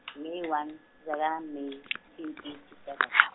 nge- one zaka- May fifty seven .